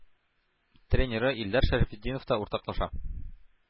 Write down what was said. Тренеры илдар шәрәфетдинов та уртаклаша.